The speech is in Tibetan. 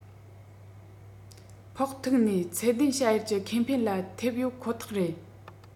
ཕོག ཐུག ནས ཚད ལྡན བྱ ཡུལ གྱི ཁེ ཕན ལ ཐེབས ཡོད ཁོ ཐག རེད